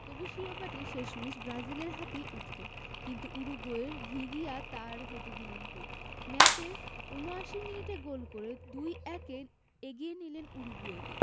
তবু শিরোপাটি শেষমেশ ব্রাজিলের হাতেই উঠত কিন্তু উরুগুয়ের ঘিঘিয়া তা আর হতে দিলেন কই ম্যাচের ৭৯ মিনিটে গোল করে ২ ১ এ এগিয়ে নিলেন উরুগুয়েকে